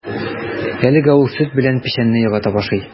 Әлегә ул сөт белән печәнне яратып ашый.